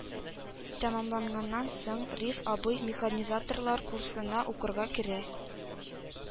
Тәмамланганнан соң, риф абый механизаторлар курсына укырга керә